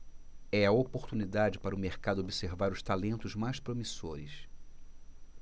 é a oportunidade para o mercado observar os talentos mais promissores